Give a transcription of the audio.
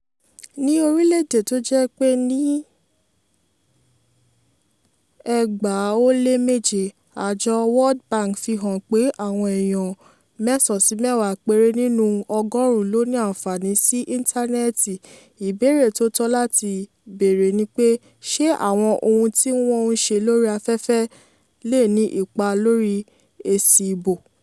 Ní orílẹ̀ èdè tó jẹ́ pé ní 2007, àjọ World Bank fi hàn pé àwọn eèyàn 9-10 péré nínu 100 ló ní aànfààní sí íntánẹ́ẹ̀ti, ìbéèrè tó tọ́ láti beèrè ni pé ṣe àwọn ohun tí wọ́n ń ṣe lórí afẹ́fẹ́ lè ní ipa lórí èsì ìbò.